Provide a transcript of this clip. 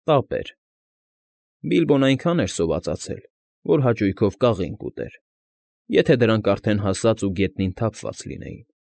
Տապ էր։ Բիլբոն այնքան էր սովածացել, որ հաճույքով կաղին կուտեր, եթե դրանք արդեն հասած ու գետնին թափված լինեին։